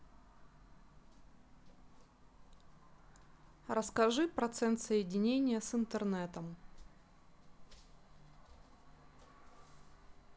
расскажи процент соединения с интернетом